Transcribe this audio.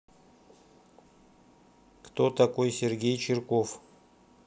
кто такой сергей чирков